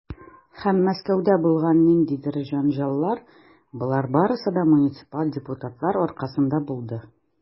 Һәм Мәскәүдә булган ниндидер җәнҗаллар, - болар барысы да муниципаль депутатлар аркасында булды.